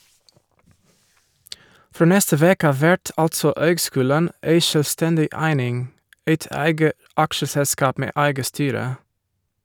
Frå neste veke av vert altså høgskulen ei sjølvstendig eining, eit eige aksjeselskap med eige styre.